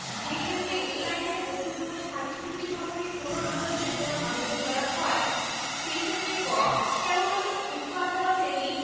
যেইক্ষেত্রে এই আইনের অধীন কোন সালিস চুক্তি সম্পর্কে কোন আদালতে কোন আবেদন করা হয় সেইক্ষেত্রে ক কেবলমাত্র উক্ত আদালাতেরই